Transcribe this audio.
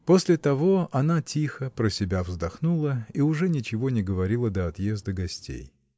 После того она тихо, про себя вздохнула и уже ничего не говорила до отъезда гостей.